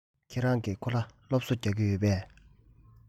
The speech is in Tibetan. ཁྱེད རང གིས ཁོ ལ སློབ གསོ རྒྱག གི ཡོད པས